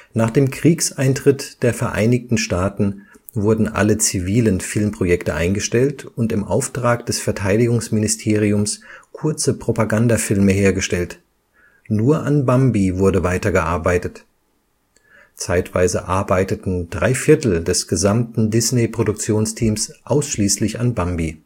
Nach dem Kriegseintritt der Vereinigten Staaten wurden alle zivilen Filmprojekte eingestellt und im Auftrag des Verteidigungsministeriums kurze Propagandafilme hergestellt. Nur an Bambi wurde weitergearbeitet. Zeitweise arbeiteten drei Viertel des gesamten Disney-Produktionsteams ausschließlich an Bambi